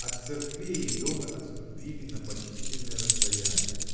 От церквей домы отступили на почтительное расстояние.